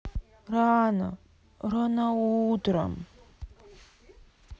рано рано утром